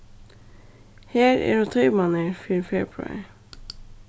her eru tímarnir fyri februar